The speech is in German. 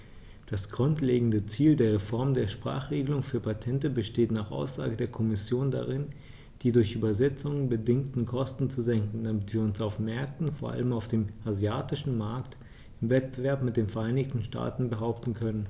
Das grundlegende Ziel der Reform der Sprachenregelung für Patente besteht nach Aussage der Kommission darin, die durch Übersetzungen bedingten Kosten zu senken, damit wir uns auf den Märkten, vor allem auf dem asiatischen Markt, im Wettbewerb mit den Vereinigten Staaten behaupten können.